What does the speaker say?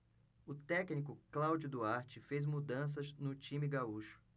o técnico cláudio duarte fez mudanças no time gaúcho